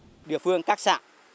địa phương các xã